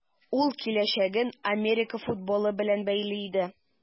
Ул киләчәген Америка футболы белән бәйли иде.